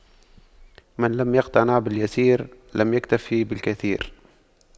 من لم يقنع باليسير لم يكتف بالكثير